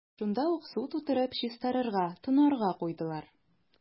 Шунда ук су тутырып, чистарырга – тонарга куйдылар.